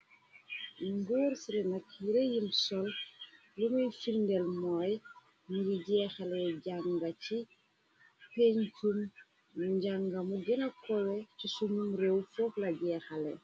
Ngoor srinaki reyim sol lunuy firndeel mooy nigi jeexale janga ci pencum nu njànga mu gina kowe ci sunum réew foogla jeexale.